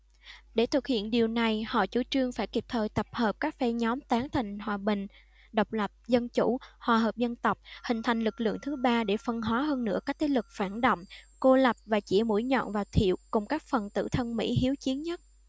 để thực hiện điều này họ chủ trương phải kịp thời tập hợp các phe nhóm tán thành hòa bình độc lập dân chủ hòa hợp dân tộc hình thành lực lượng thứ ba để phân hóa hơn nữa các thế lực phản động cô lập và chĩa mũi nhọn vào thiệu cùng các phần tử thân mỹ hiếu chiến nhất